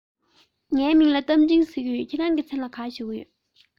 ངའི མིང ལ རྟ མགྲིན ཟེར གྱི ཡོད ཁྱེད རང གི མཚན ལ གང ཞུ གི ཡོད ན